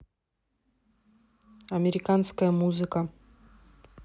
американская музыка